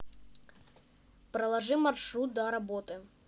проложи маршрут для работы